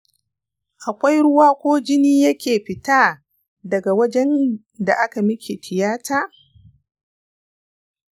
akwai ruwa ko jini yake fita daga wajenda aka miki tiyata